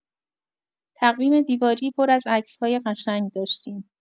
تقویم دیواری پر از عکس‌های قشنگ داشتیم.